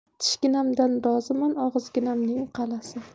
tishginamdan roziman og'izginamning qal'asi